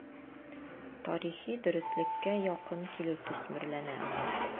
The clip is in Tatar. Тарихи дөреслеккә якын килү төсмерләнә анда.